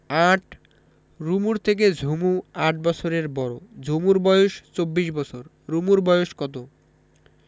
৮ রুমুর থেকে ঝুমু ৮ বছরের বড় ঝুমুর বয়স ২৪ বছর রুমুর বয়স কত